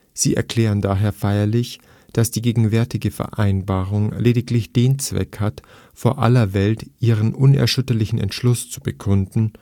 Sie erklären daher feierlich, dass die gegenwärtige Vereinbarung lediglich den Zweck hat, vor aller Welt ihren unerschütterlichen Entschluss zu bekunden